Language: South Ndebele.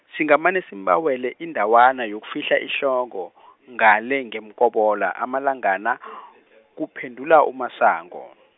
singamane simbawele indawana yokufihla ihloko , ngale ngeMkobola amalangana , kuphendula uMasango.